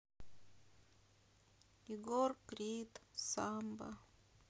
егор крид самба